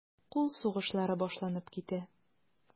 Кул сугышлары башланып китә.